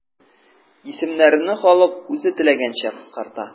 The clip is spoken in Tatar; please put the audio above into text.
Исемнәрне халык үзе теләгәнчә кыскарта.